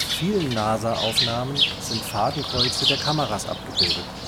vielen NASA-Aufnahmen sind Fadenkreuze der Kameras abgebildet